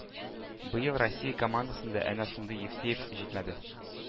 Быел Россия командасына әнә шундый Евсеев җитмәде.